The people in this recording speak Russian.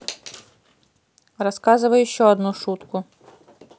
рассказывай еще одну шутку